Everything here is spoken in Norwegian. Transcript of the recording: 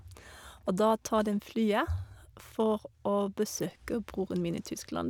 Og da tar dem flyet for å besøke broren min i Tyskland.